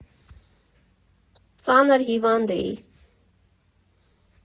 Ծանր հիվանդ էի։